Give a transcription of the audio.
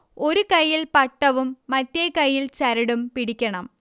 ഒരു കൈയ്യിൽ പട്ടവും മറ്റേ കൈയിൽ ചരടും പിടിക്കണം